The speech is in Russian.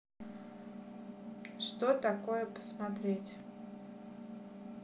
что такое посмотреть